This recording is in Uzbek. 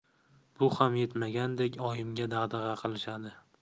bu ham yetmagandek oyimga dag'dag'a qilishadi